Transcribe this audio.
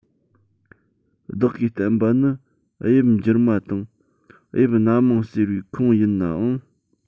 བདག གིས བསྟན པ ནི དབྱིབས འགྱུར མ དང དབྱིབས སྣ མང ཟེར བའི ཁོངས ཡིན ནའང